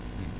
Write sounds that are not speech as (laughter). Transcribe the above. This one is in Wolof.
(hesitation) (hesitation)